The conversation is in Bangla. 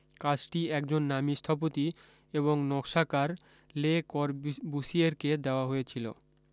কাজটি একজন নামী স্থপতি এবং নকসাকার লে করবুসিয়েরকে দেওয়া হয়েছিলো